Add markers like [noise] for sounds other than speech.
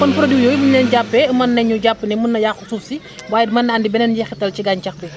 kon produits yooyu [noise] bu ñu leen jàppee mën nañu jàpp ne mën na yàq suuf si waaye it mën na andi beneen njeexital si gàncax bi